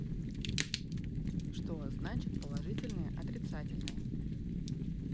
что значит положительные отрицательные